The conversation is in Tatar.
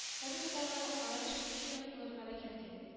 Фабрикадагы кара эшкә ничегрәк булырлар икән, дим